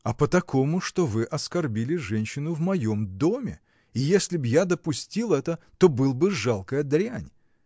А по такому, что вы оскорбили женщину в моем доме, и если б я допустил это, то был бы жалкая дрянь.